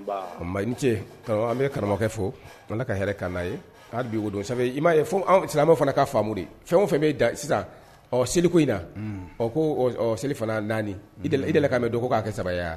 N ba. N ba i ni ce. An bɛ karamɔgɔkɛ fɔ, Ala hɛrɛ k'an n'a ye. Hali bi o don, ça fait i m' a ye, fo, anw silamɛnw fana ka faamu de. Fɛn o fɛn bɛ dan sisan, ɔ seliko in na. Un! Ɔ ko selifana 4, i delila k'a mɛn dɔ ko k'a kɛ 3 ye wa?